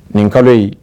Nin ka bɛ